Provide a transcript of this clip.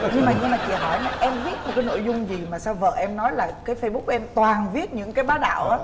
nhưng mà nhưng mà chị hỏi này em viết những cái nội dung gì mà sao vợ em nói là cái phây búc của em toàn viết những cái bá đạo á